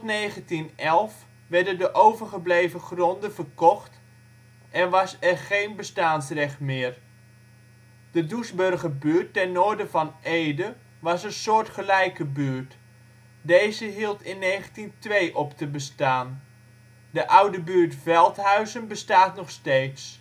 1911 werden de overgebleven gronden verkocht en was er geen bestaansrecht meer. De Doesburgerbuurt ten noorden van Ede, was een soortgelijke buurt. Deze hield in 1902 op te bestaan. De oude buurt Veldhuizen bestaat nog steeds